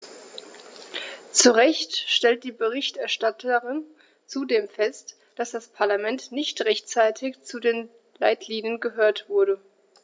Zu Recht stellt die Berichterstatterin zudem fest, dass das Parlament nicht rechtzeitig zu den Leitlinien gehört wurde.